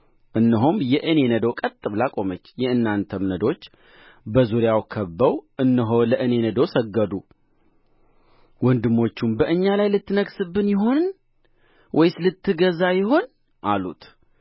እነሆ እኛ በእርሻ መካከል ነዶ ስናስር ነበርና እነሆም የእኔ ነዶ ቀጥ ብላ ቆመች የእናንተም ነዶች በዙሪያ ከብበው እነሆ ለእኔ ነዶ ሰገዱ ወንድሞቹም በእኛ ላይ ልትነግሥብን ይሆን ወይስ ልትገዛ ይሆን አሉት